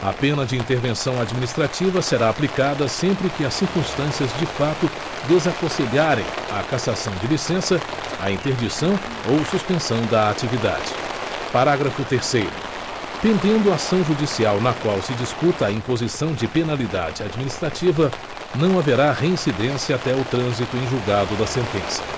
a pena de intervenção administrativa será aplicada sempre que as circunstâncias de fato desaconselharem a cassação de licença a interdição ou suspensão da atividade parágrafo terceiro pendendo ação judicial na qual se discuta a imposição de penalidade administrativa não haverá reincidência até o trânsito em julgado da sentença